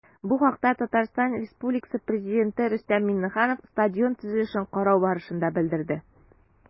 Бу хакта ТР Пррезиденты Рөстәм Миңнеханов стадион төзелешен карау барышында белдерде.